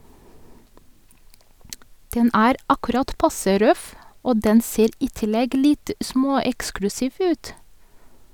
Den er akkurat passe røff , og den ser i tillegg litt småeksklusiv ut.